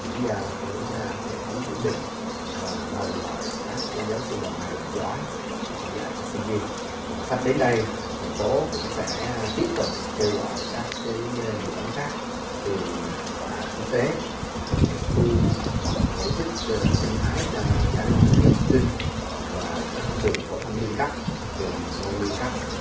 chuyển giao cái à hệ thống kiểm định và mời gọi các giáo sư đầu ngành giỏi để dạy cho sinh viên và sắp đến đây ở thành phố cũng sẽ tiếp tục kêu gọi các cái dự án khác trường đại học quốc tế rồi khu à tổ chức cái sinh thái cho dã ngoại cho các em học sinh và các trường phổ thông liên cấp trường mầm non liên cấp